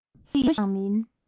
ཉུང ཉུང ཡང མིན